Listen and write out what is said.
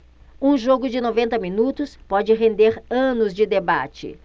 um jogo de noventa minutos pode render anos de debate